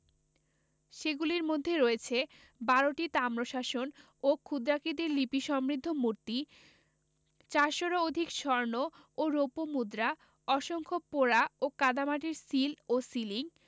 সেগুলির মধ্যে রয়েছে বারোটি তাম্রশাসন ও ক্ষুদ্রাকৃতির লিপিসমৃদ্ধ মূর্তি চারশরও অধিক স্বর্ণ ও রৌপ্য মুদ্রা অসংখ্য পোড়া ও কাদামাটির সিল ও সিলিং